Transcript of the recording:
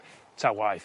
Ta waith